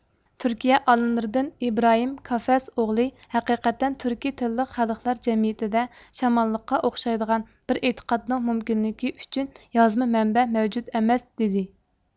تۈركىيە ئالىملىرىدىن ئىبراھىم كافەس ئوغلى ھەقىقەتەن تۈركىي تىللىق خەلقلەر جەمئىيىتىدە شامانلىققا ئوخشايدىغان بىر ئېتىقادنىڭ مۇمكىنلىكى ئۈچۈن يازما مەنبە مەۋجۇت ئەمەس دېدى